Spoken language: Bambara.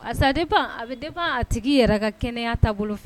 sa dépend a be dépend a tigi yɛrɛ ka kɛnɛya taabolo fɛ